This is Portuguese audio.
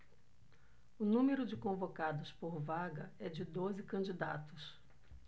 o número de convocados por vaga é de doze candidatos